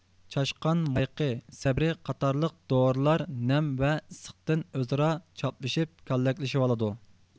چاشقان مايىقى سەبرى قاتارلىق دورىلار نەم ۋە ئىسسىقتىن ئۆزئارا چاپلىشىپ كاللەكلىشىۋالىدۇ